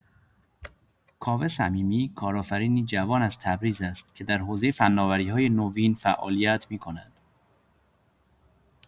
کاوه صمیمی کارآفرینی جوان از تبریز است که در حوزه فناوری‌های نوین فعالیت می‌کند.